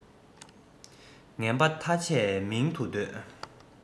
ངན པ ཐ ཆད མིང དུ འདོད